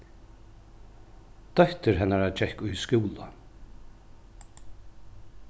dóttir hennara gekk í skúla